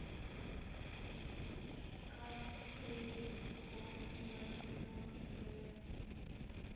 как заклеивать пупок новорожденного грыжи